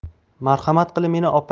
marhamat qilib meni